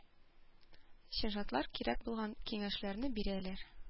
Сержантлар кирәк булган киңәшләрне бирәләр.